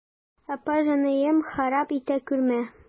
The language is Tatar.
Апа җаныем, харап итә күрмә.